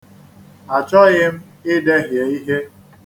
Achọghị m idehie ihe.